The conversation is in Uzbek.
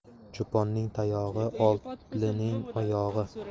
cho'ponning tayog'i otlining oyog'i